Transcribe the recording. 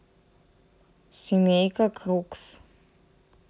семейка крукс